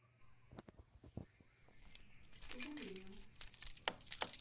заболел